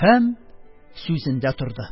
Һәм сүзендә торды: